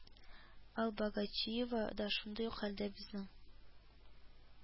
Албогачиева да шундый ук хәлдә, безнең